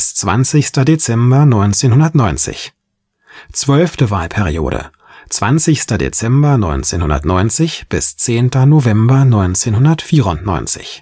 20. Dezember 1990 12. Wahlperiode: 20. Dezember 1990 – 10. November 1994